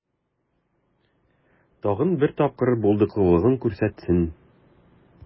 Тагын бер тапкыр булдыклылыгын күрсәтсен.